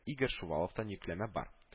Игорь Шуваловтан йөкләмә бар